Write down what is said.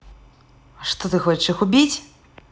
а что ты хочешь их убить